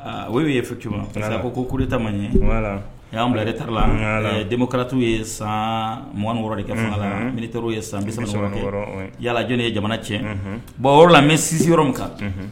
Aaa o y'' fɛ parce que ko kota ma ɲɛ an bila de taarala denmusokaratu ye san m wɛrɛ de kɛ fanga la miniw ye san bisa sɔrɔ yaalajni ye jamana cɛ bɔn yɔrɔ la mɛ sisi yɔrɔw kan